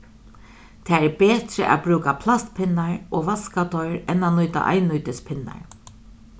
tað er betri at brúka plastpinnar og vaska teir enn at nýta einnýtispinnar